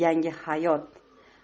yangi hayot